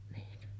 niin